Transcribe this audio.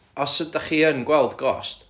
Os ydych chi yn gweld ghost